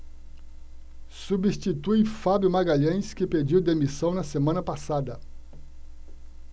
substitui fábio magalhães que pediu demissão na semana passada